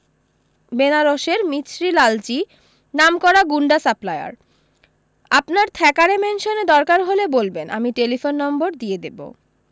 বেনারসের মিছরী লালজী নামকরা গুণ্ডা সাপ্লায়ার আপনার থ্যাকারে ম্যানসনে দরকার হলে বলবেন আমি টেলিফোন নম্বর দিয়ে দেবো